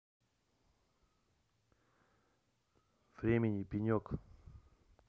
времени пенек